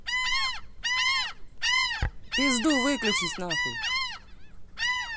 пизду выключись нахуй